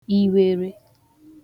iwerē